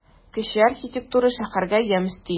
Кече архитектура шәһәргә ямь өсти.